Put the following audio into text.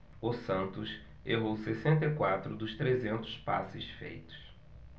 o santos errou sessenta e quatro dos trezentos passes feitos